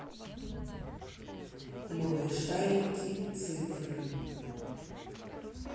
малышарики цифры